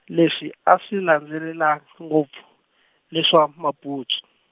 leswi a swi landzelela ngopfu, leswa maputsu.